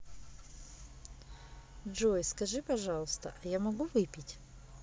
джой скажи пожалуйста а я могу выпить